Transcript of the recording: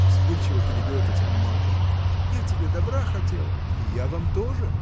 — вспыльчиво перебила Татьяна Марковна, — я тебе добра хотела. — И я вам тоже!